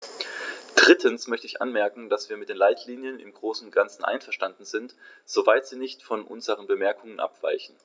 Drittens möchte ich anmerken, dass wir mit den Leitlinien im großen und ganzen einverstanden sind, soweit sie nicht von unseren Bemerkungen abweichen.